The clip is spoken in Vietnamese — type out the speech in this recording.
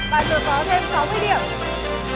bạn vừa có thêm sáu mươi điểm